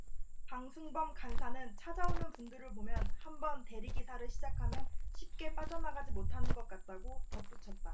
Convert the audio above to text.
방승범 간사는 찾아오는 분들을 보면 한 번 대리기사를 시작하면 쉽게 빠져나가지 못하는 것 같다고 덧붙였다